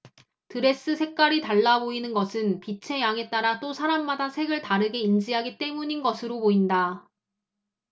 드레스 색깔이 달라 보이는 것은 빛의 양에 따라 또 사람마다 색을 다르게 인지하기 때문인 것으로 보인다